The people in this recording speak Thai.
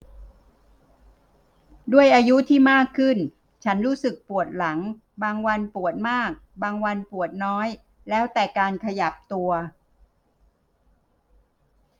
ด้วยอายุที่มากขึ้นฉันรู้สึกปวดหลังบางวันปวดมากบางวันปวดน้อยแล้วแต่การขยับตัว